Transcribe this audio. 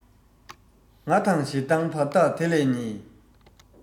ང དང ཞེ སྡང བར ཐག དེ ལས ཉེ